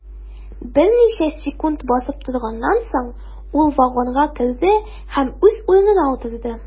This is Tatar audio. Берничә секунд басып торганнан соң, ул вагонга керде һәм үз урынына утырды.